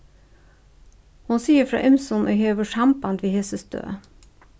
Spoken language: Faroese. hon sigur frá ymsum ið hevur samband við hesi støð